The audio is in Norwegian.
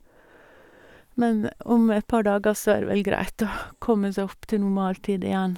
Men om et par dager så er det vel greit å komme seg opp til normal tid igjen.